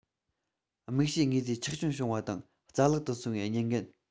དམིགས བྱའི དངོས རྫས ཆག སྐྱོན བྱུང བ དང རྩ བརླག ཏུ སོང བའི ཉེན འགན